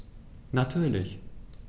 Natürlich.